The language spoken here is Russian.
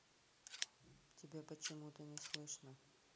тебя почему то не слышно